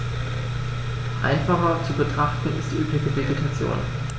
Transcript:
Einfacher zu betrachten ist die üppige Vegetation.